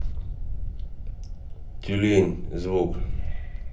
тюлень звук